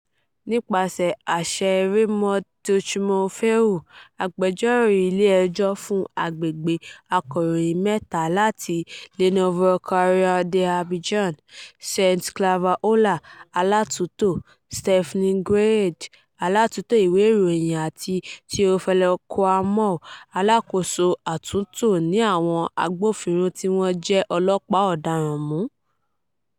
Nípasẹ̀ àṣẹ Raymond Tchimonu Fehou, agbẹjọ́rò ilé ẹjọ́ fún agbègbè, akọ̀ròyìn mẹ́ta láti Le Nouveau Courrier d'Abidjan, saint claver Oula, alátúntò, Stéphane Guédé, alátúntò ìwé ìròyìn àti Théophile Kouamouo, Alákóso àtúntò ni àwọn agbófinró tí wọ́n jẹ́ ọlọ́pàá ọ̀daràn mú.